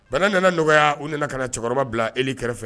Bana nana nɔgɔya u nana ka na cɛkɔrɔba bila Eli kɛrɛfɛ.